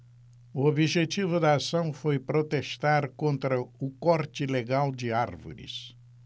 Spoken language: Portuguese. o objetivo da ação foi protestar contra o corte ilegal de árvores